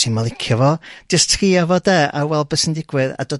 ti'm yn licio fo jyst tria fo de a wel be sy'n digwydd a dod